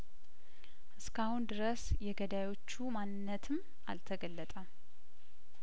እስካሁን ድረስ የገዳዮቹ ማንነትም አልተገለጠም